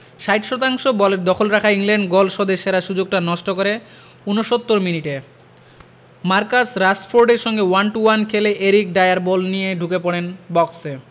৬০ শতাংশ বলের দখল রাখা ইংল্যান্ড গোল শোধের সেরা সুযোগটা নষ্ট করে ৬৯ মিনিটে মার্কাস রাশফোর্ডের সঙ্গে ওয়ান টু ওয়ানে খেলে এরিক ডায়ার বল নিয়ে ঢুকে পড়েন বক্সে